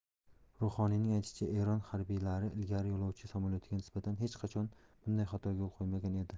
ruhoniyning aytishicha eron harbiylari ilgari yo'lovchi samolyotiga nisbatan hech qachon bunday xatoga yo'l qo'ymagan edi